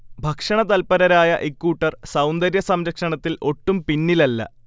ഭക്ഷണ തല്പരരായ ഇക്കൂട്ടർ സൗന്ദര്യ സംരക്ഷണത്തിൽ ഒട്ടും പിന്നിലല്ല